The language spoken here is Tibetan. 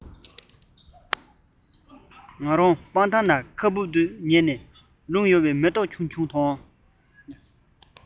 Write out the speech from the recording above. ང རང སྤང ཐང ན ཁ སྦུབ ཏུ ཉལ ཞོགས རླུང གཡོ བའི མེ ཏོག ཆུང ཆུང དང